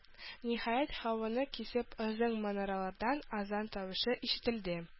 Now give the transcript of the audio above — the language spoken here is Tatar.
Ниһаять, һаваны кисеп озын манаралардан азан тавышы ишетелде.